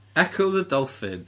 Echo the dolphin.